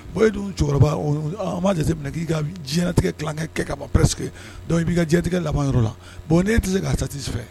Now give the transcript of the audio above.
Bon e dun cɛkɔrɔba ma k'i ka diɲɛtigɛkɛ kɛ ka ma parce queke i b'i diɲɛtigɛ laban yɔrɔ la bon n' tɛ se k'a tati fɛ